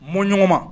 Mun ɲɔgɔn ma